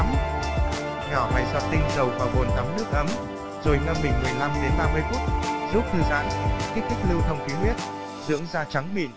tắm nhỏ vài giọt tinh dầu vào bồn tắm nước ấm rồi ngâm mình phút giúp thư giãn kích thích lưu thông khí huyết dưỡng da trắng mịn